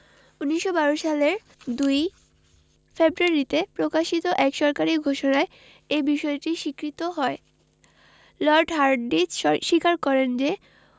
১৯১২ সালের ২ ফেব্রুয়ারিতে প্রকাশিত এক সরকারি ঘোষণায় এ বিষয়টি স্বীকৃত হয় লর্ড হার্ডিঞ্জ স্বীকার করেন যে